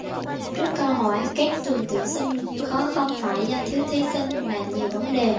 trước câu hỏi các trường tuyển sinh khó không phải do thiếu thí sinh mà nhiều vấn đề